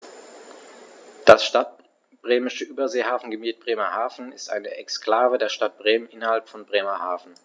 Das Stadtbremische Überseehafengebiet Bremerhaven ist eine Exklave der Stadt Bremen innerhalb von Bremerhaven.